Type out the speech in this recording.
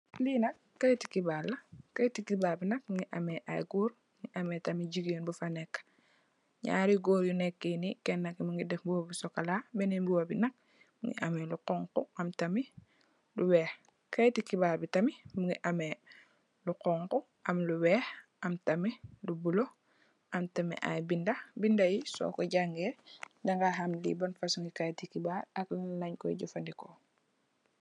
Li nak kayiti xibarr la, kayiti xibarr bi nak mugii ameh ay gór mugii ameh tamit jigeen bu fa nekka. Ñaari gór yu nekee ni Kenna ki mugii sol mbuba bu sokola benen mbuba bi nak mugii am lu xonxu am tamit lu wèèx. Kayiti xibarr bi tamit mugii am lu xonxu am lu wèèx am tamit lu bula am tamit ay bindé, bindé ya yi so ko jangèè di ga xam li ban fasungi kayiti xibarr la ak lan lañ koy jafandiko.